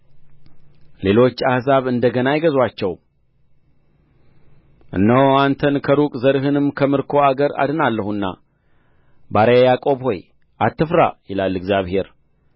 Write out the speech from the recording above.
ሌሎች አሕዛብ እንደ ገና አይገዙአቸውም እነሆ አንተን ከሩቅ ዘርህንም ከምርኮ አገር አድናለሁና ባሪያዬ ያዕቆብ ሆይ አትፍራ ይላል እግዚአብሔር